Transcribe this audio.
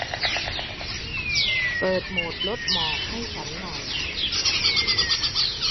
เปิดโหมดลดหมอกให้ฉันหน่อย